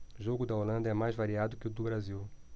jogo da holanda é mais variado que o do brasil